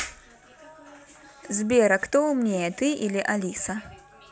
сбер а кто умнее ты или алиса